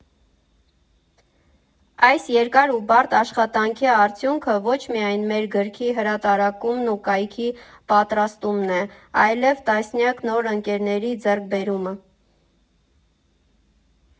Այս երկար ու բարդ աշխատանքի արդյունքը ոչ միայն մեր գրքի հրատարակումն ու կայքի պատրաստումն է, այլև տասնյակ նոր ընկերների ձեռքբերումը։